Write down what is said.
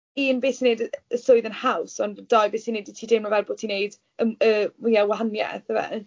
Un, beth sy'n wneud y y swydd yn haws, ond dou beth sy'n wneud i ti deimlo fel bod ti'n wneud y m- y mwya o wahaniaeth.